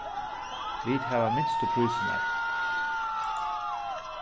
vit hava minstu prísirnar